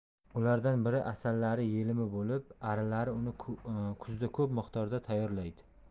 ulardan biri asalari yelimi bo'lib arilar uni kuzda ko'p miqdorda tayyorlaydi